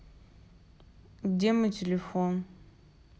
где мой телефон